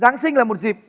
giáng sinh là một dịp